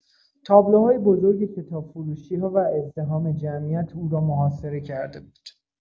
تابلوهای بزرگ کتاب‌فروشی‌ها و ازدحام جمعیت او را محاصره کرده بود.